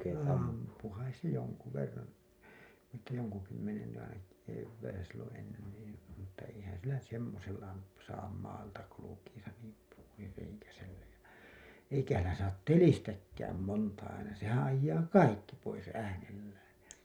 ampui kai se jonkun verran että jonkun kymmenen aina keväisin silloin ennen niin mutta eihän sillä nyt semmoisella - saa maalta kulkiessa niin - suurireikäisellä ja eikähän sillä saa telistäkään monta aina sehän ajaa kaikki pois äänellään ja